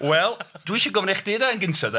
Wel dwi isio gofyn i chdi de yn gynta de